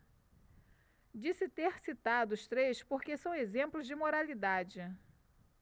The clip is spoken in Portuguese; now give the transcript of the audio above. disse ter citado os três porque são exemplos de moralidade